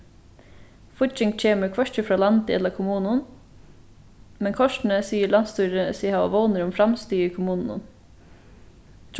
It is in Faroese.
fígging kemur hvørki frá landi ella kommunum men kortini sigur landsstýrið seg hava vónir um framstig í kommununum